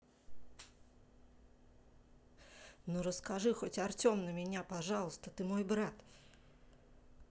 ну расскажи хоть артем на меня пожалуйста ты мой брат